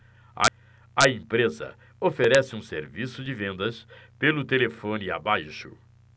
a empresa oferece um serviço de vendas pelo telefone abaixo